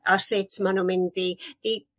o sut ma' n'w mynd i i